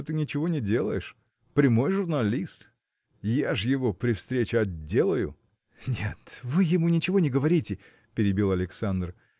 что ты ничего не делаешь – прямой журналист! Я ж его, при встрече, отделаю. – Нет вы ему ничего не говорите – перебил Александр